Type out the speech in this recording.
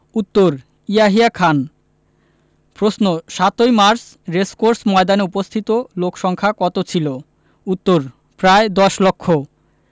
উত্তর ইয়াহিয়া খান প্রশ্ন ৭ই মার্চ রেসকোর্স ময়দানে উপস্থিত লোকসংক্ষা কত ছিলো উত্তর প্রায় দশ লক্ষ